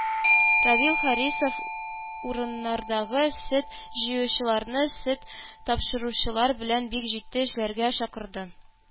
Равил Харисов урыннардагы сөт җыючыларны сөт тапшыручылар белән бик җитди эшләргә чакырды